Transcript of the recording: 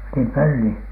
niin pölli